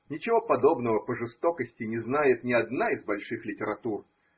Ничего подобного по жестокости не знает ни одна из больших литератур.